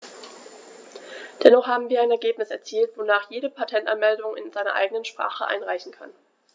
Dennoch haben wir ein Ergebnis erzielt, wonach jeder Patentanmeldungen in seiner eigenen Sprache einreichen kann.